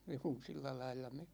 juu sillä lailla me